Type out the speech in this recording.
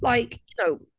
like, you know...